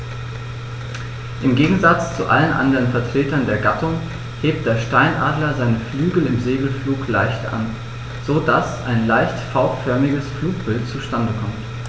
Im Gegensatz zu allen anderen Vertretern der Gattung hebt der Steinadler seine Flügel im Segelflug leicht an, so dass ein leicht V-förmiges Flugbild zustande kommt.